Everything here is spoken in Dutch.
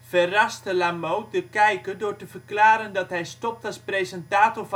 verraste Lamoot de kijker door te verklaren dat hij stopt als presentator